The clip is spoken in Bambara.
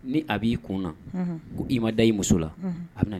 Ni a b'i ko ko i ma da i muso la